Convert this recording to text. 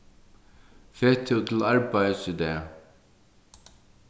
fert tú til arbeiðis í dag